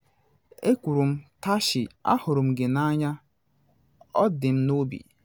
Ekwuru m, “Tashi, ahụrụ m gị n’anya, ọ dị m n'obi.